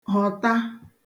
họ̀ta